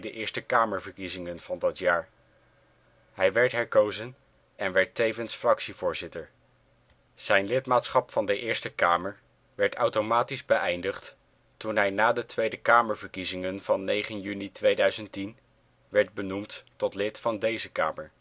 Eerste Kamerverkiezingen van dat jaar. Hij werd herkozen en werd tevens fractievoorzitter. Zijn lidmaatschap van de Eerste Kamer werd automatisch beëindigd toen hij na de Tweede Kamerverkiezingen van 9 juni 2010 werd benoemd tot lid van deze Kamer